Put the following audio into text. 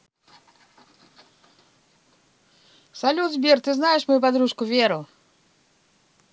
салют сбер ты знаешь мою подружку веру